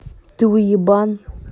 ты уебан